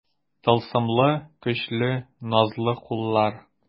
Тылсымлы, көчле, назлы куллар.